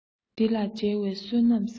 འདི ལ མཇལ བའི བསོད ནམས བསམ ཞིང སྤྲོ